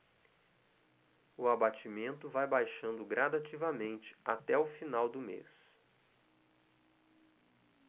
o abatimento vai baixando gradativamente até o final do mês